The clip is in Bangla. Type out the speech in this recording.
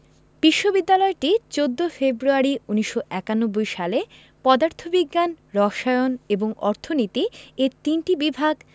বিশ্ববিদ্যালয়টি ১৪ ফেব্রুয়ারি ১৯৯১ সালে পদার্থ বিজ্ঞান রসায়ন এবং অর্থনীতি এ তিনটি বিভাগ